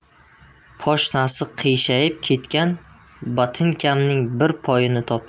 poshnasi qiyshayib ketgan botinkamning bir poyini topdim